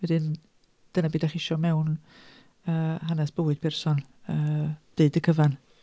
Wedyn, dyna be' dach chi isio mewn yy hanes bywyd person yy deud y cyfan.